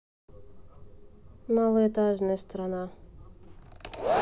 малоэтажная страна